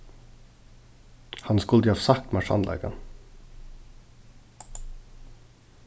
hann skuldi havt sagt mær sannleikan